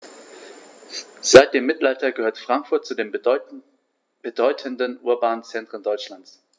Seit dem Mittelalter gehört Frankfurt zu den bedeutenden urbanen Zentren Deutschlands.